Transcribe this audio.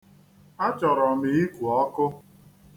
Achọrọ m iku ọkụ.